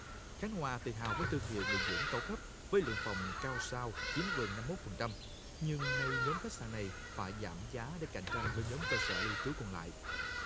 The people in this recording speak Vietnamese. khánh hòa tự hào với thương hiệu nghỉ dưỡng cao cấp với lượng phòng cao sao chiếm gần năm mốt phần trăm nhưng nay nhóm khách sạn này phải giảm giá để cạnh tranh với nhóm cơ sở lưu trú còn lại